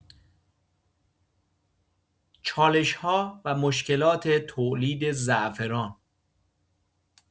چالش‌ها و مشکلات تولید زعفران